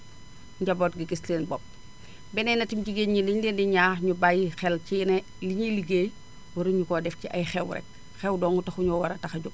njaboot gi gis seen bopp beneen ati jigéen éni li ñu leen di ñaax ñu bàyyi xel ci ne li ñuy liggéey warñu koo def ci ay xew rek xew dong taxu ñoo war a tax a jóg